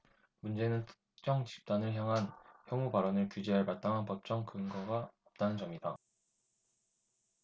문제는 특정 집단을 향한 혐오발언을 규제할 마땅한 법적 근거가 없다는 점이다